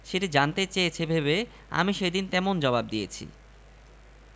সেটি জানতে চেয়েছেভেবে আমি সেদিন তেমন জবাব দিয়েছি